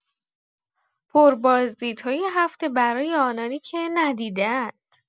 پربازدیدهای هفته برای آنانی که ندیده‌اند.